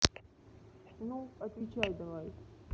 ну отвечай давай